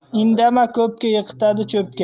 indama ko'pga yiqitadi cho'pga